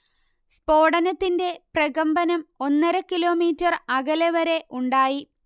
സ്ഫോടനത്തിന്റെ പ്രകമ്പനം ഒന്നര കിലോമീറ്റർ അകലെ വരെ ഉണ്ടായി